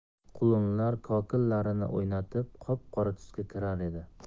qulunlar kokillarini o'ynatib qop qora tusga kirar edi